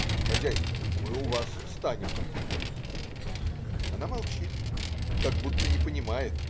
"Хозяйка, мы у вас встанем!" Она молчит, как будто не понимает.